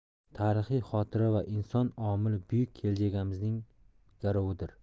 tarixiy xotira va inson omili buyuk kelajagimizning garovidir